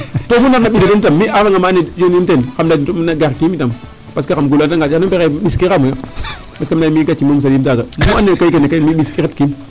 To oxu narna ɓis a den tam mi' a refanga ma andoona yee yooniim teen ,xam lay garkiim tam parce que xam gulu xam fexey bo ɓiskiraamooyo parce que mi' gaci moom saɗiim taaga mu andoona yee kene kay mi' retkiim .